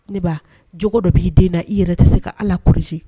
Ne ba j dɔ b'i den i yɛrɛ tɛ se ka ala ksi